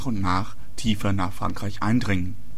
nach tiefer nach Frankreich eindringen